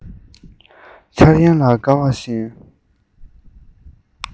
འཆར ཡན ལ དགའ བ བཞིན